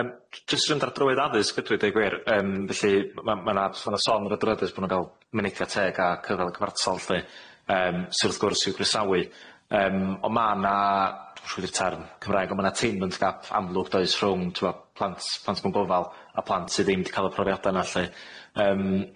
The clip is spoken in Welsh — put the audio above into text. Yym j- jyst mynd ar drywydd addysg ydw i deud gwir yym felly ma' ma' 'na s- ma' 'na sôn yn yr'r adroddiad bo' nhw'n ga'l mynediad teg a cyfla cyfartal lly yym sy' wrth gwrs i'w groesawu yym ond ma' 'na dw'm'siwr be'di'r term Cymraeg on' ma' 'na attainment gap amlwg does rhwng t'mo' plant plant mewn gofal a plant sy' ddim 'di ca'l y profiada yna lly yym,